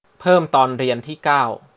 เพิ่มตอนเรียนที่เก้า